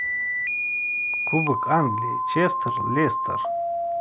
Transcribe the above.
кубок англии челси лестер